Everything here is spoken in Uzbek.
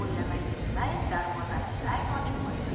o'ylamay netmay darvozani lang ochib qo'ydi